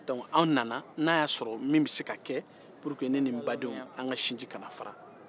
donke an nana n'a ya sɔrɔ min bɛ se ka kɛ pour que ne ni n badenw an ka sinji kana fara